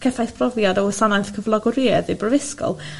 Ceffais brofiad o wasanaeth cyflogadwyedd y Brifysgol